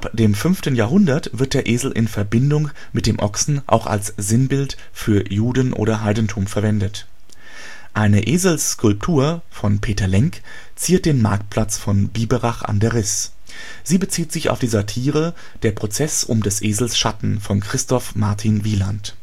dem 5. Jahrhundert wird der Esel in Verbindung mit dem Ochsen auch als Sinnbild für Juden - oder Heidentum verwendet. Eine Eselsskulptur von Peter Lenk ziert den Marktplatz von Biberach an der Riß. Sie bezieht sich auf die Satire " Der Prozess um des Esels Schatten " von Christoph Martin Wieland